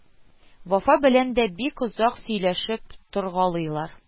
Вафа белән дә бик озаклап сөйләшеп торгалыйлар